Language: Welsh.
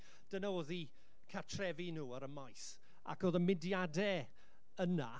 Dyna oedd eu cartrefi nhw ar y maes. Ac oedd y mudiadau yna...